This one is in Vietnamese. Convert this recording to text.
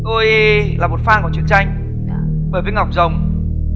tôi là một phan của truyện tranh bảy viên ngọc rồng